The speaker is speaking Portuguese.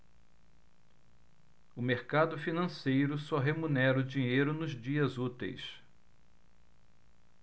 o mercado financeiro só remunera o dinheiro nos dias úteis